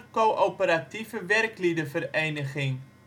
Coöperatieve Werklieden Vereniging